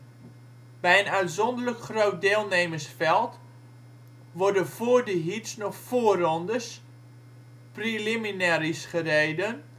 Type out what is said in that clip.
Bij een uitzonderlijk groot deelnemersveld worden voor de heats nog voorrondes (preliminaries) gereden